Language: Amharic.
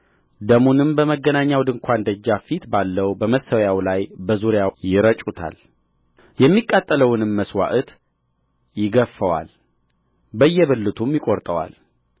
ደሙንም በመገናኛው ድንኳን ደጃፍ ፊት ባለው በመሠዊያው ላይ በዙሪያው ይረጩታልየሚቃጠለውንም መሥዋዕት ይገፍፈዋል በየብልቱም ይቈርጠዋል